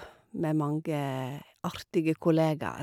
Med mange artige kollegaer.